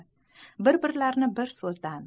bir birlarini bir so'zdan